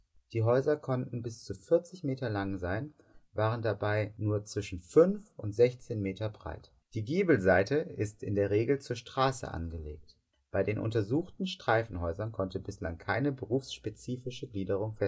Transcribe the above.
Die Häuser konnten bis zu 40 Meter lang sein, waren dabei aber nur zwischen 5 und 16 Meter breit. Die Giebelseite ist in der Regel zur Straße angelegt. Bei den untersuchten Streifenhäusern konnte bislang keine berufsspezifische Gliederung